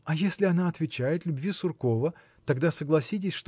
– А если она отвечает любви Суркова тогда согласитесь